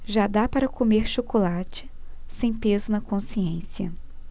já dá para comer chocolate sem peso na consciência